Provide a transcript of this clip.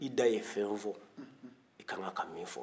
i da ye fɛn fɔ a ka kan ka min fɔ